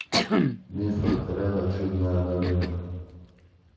мистер кредо чудная долина